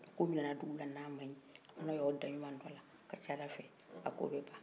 ni ko min nana dugu la n' a ma ɲi ni aw y' aw daɲuma don a la a ka ca ala fɛ a ko bɛ ban